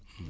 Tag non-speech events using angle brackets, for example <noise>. <hesitation> <hesitation>